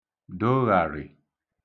doghàrị̀